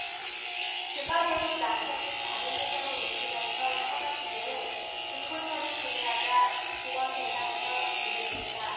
그마저도 남편이 다른 회사로 옮기면서 차가 필요해 중고차를 구매하자 지원대상에서 제외됐다